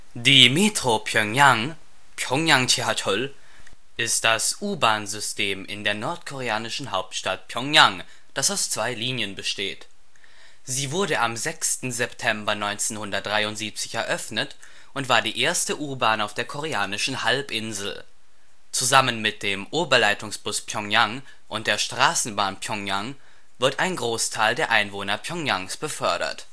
Die Metro Pjöngjang (평양 지하철) ist das U-Bahn-System in der nordkoreanischen Hauptstadt Pjöngjang, das aus zwei Linien besteht. Sie wurde am 6. September 1973 eröffnet und war die erste U-Bahn auf der Koreanischen Halbinsel. Zusammen mit dem Oberleitungsbus Pjöngjang und der Straßenbahn Pjöngjang wird ein Großteil der Einwohner Pjöngjangs befördert